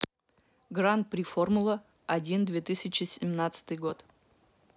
гран при формула один две тысячи семнадцатый год